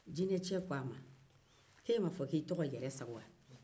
jinɛkɛ ko a ma e m'a fɔ i tɔgɔ ye yɛrɛsago wa